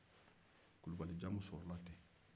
kulubalijamu sɔrɔla ten